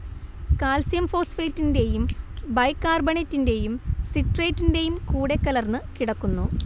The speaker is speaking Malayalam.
കാൽസ്യം ഫോസ്ഫേറ്റിന്റേയും ബൈകാർബണേറ്റിന്റേയും സിട്രേറ്റിന്റേയും കൂടെക്കലർന്ന് കിടക്കുന്നു